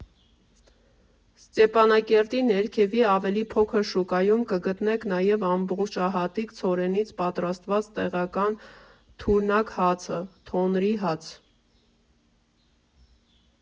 Ստեփանակերտի ներքևի, ավելի փոքր շուկայում կգտնեք նաև ամբողջահատիկ ցորենից պատրաստված տեղական «թուրնավ հացը»՝ թոնրի հաց։